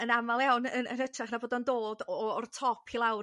yn amal iawn yn yn hytrach na bod o'n dod o o'r top i lawr